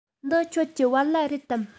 འདི ཁྱོད ཀྱི བལ ལྭ རེད དམ